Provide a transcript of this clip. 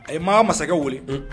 A ye maa masakɛ weele